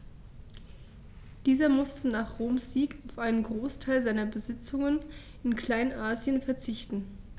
Dieser musste nach Roms Sieg auf einen Großteil seiner Besitzungen in Kleinasien verzichten.